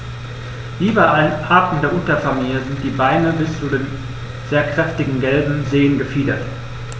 Wie bei allen Arten der Unterfamilie sind die Beine bis zu den sehr kräftigen gelben Zehen befiedert.